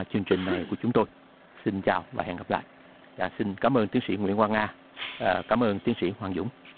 chương trình này của chúng tôi xin chào và hẹn gặp lại và xin cám ơn tiến sĩ nguyễn quang nga à cám ơn tiến sĩ hoàng dũng